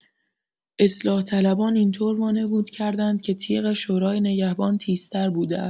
اصلاح‌طلبان این‌طور وانمود کردند که تیغ شورای نگهبان تیزتر بوده است.